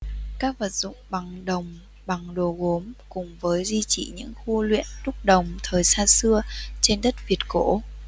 các vật dụng bằng đồng bằng đồ gốm cùng với di chỉ những khu luyện đúc đồng thời xa xưa trên đất việt cổ